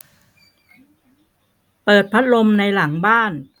เปิดพัดลมในหลังบ้าน